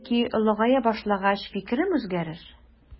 Бәлки олыгая башлагач фикерем үзгәрер.